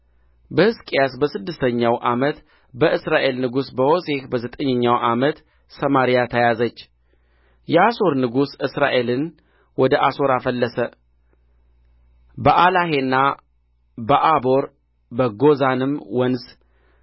በሕዝቅያስ በስድስተኛው ዓመት በእስራኤል ንጉሥ በሆሴዕ በዘጠኝኛው ዓመት ሰማርያ ተያዘች የአሦር ንጉሥ እስራኤልን ወደ አሦር አፈለሰ በአላሔና በአቦር በጎዛንም ወንዝ